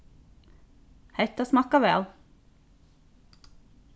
hetta smakkar væl